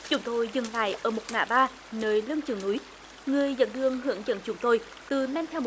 chúng tôi dừng lại ở một ngã ba nơi lưng chừng núi người dẫn đường hướng dẫn chúng tôi từ men theo